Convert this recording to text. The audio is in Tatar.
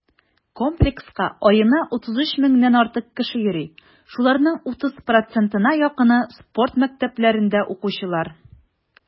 Комплекска аена 33 меңнән артык кеше йөри, шуларның 30 %-на якыны - спорт мәктәпләрендә укучылар.